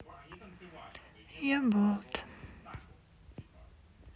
я болт